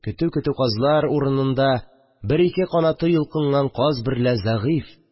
Көтү-көтү казлар урынында бер-ике канаты йолкынган каз берлә зәгыйфь